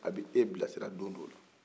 a bi e bila sira don dɔ la